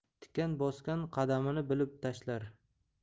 tikan bosgan qadamini bilib tashlar